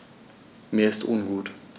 Mir ist ungut.